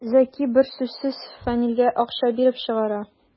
Зәки бер сүзсез Фәнилгә акча биреп чыгара.